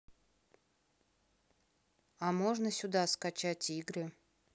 а можно сюда скачать игры